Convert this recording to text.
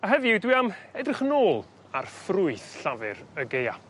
A heddiw dwi am edrych yn ôl ar ffrwyth llafur y Gaea.